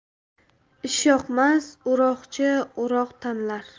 ishyoqmas o'roqchi o'roq tanlar